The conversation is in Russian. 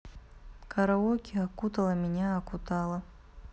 караоке окутала меня окутала